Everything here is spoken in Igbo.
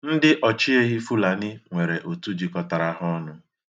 Ndị ọchịehi Fulani nwere otu jikọtara ha ọnụ.